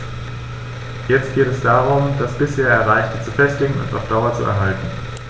Jetzt geht es darum, das bisher Erreichte zu festigen und auf Dauer zu erhalten.